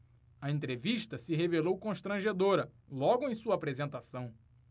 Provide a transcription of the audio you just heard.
a entrevista se revelou constrangedora logo em sua apresentação